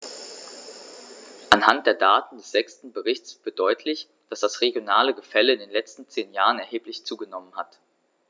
Anhand der Daten des sechsten Berichts wird deutlich, dass das regionale Gefälle in den letzten zehn Jahren erheblich zugenommen hat.